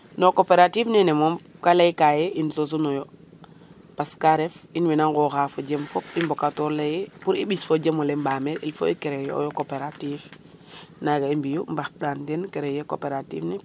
non cooperative nene moom ka ley ka in sosu noyo parce ka ref in we na ŋoxa fojem fop i mboka tor leye fojem fop i ɓokator leye pour i mbis fojemole mbaambir il faut i creer yo cooperative naga i mbiyu u mbax taan ten ne créer yo cooperative